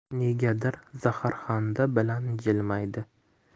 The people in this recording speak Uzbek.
negadir zaharxanda bilan jilmaydi